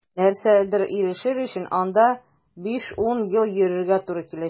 Нәрсәгәдер ирешер өчен анда 5-10 ел йөгерергә туры киләчәк.